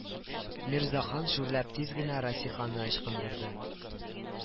Мирзахан шүрләп тиз генә расиханы ычкындырды